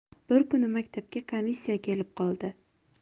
bir kuni maktabga komissiya kelib qoldi